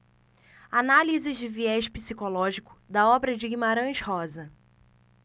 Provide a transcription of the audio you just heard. análise de viés psicológico da obra de guimarães rosa